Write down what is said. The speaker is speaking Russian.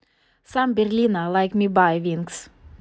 сам берлина like me by винкс